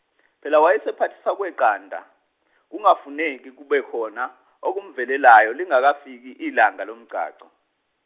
phela wayesephathiswa okweqanda kungafuneki kubekhona okumvelelayo lingakafiki ilanga lomgcagco.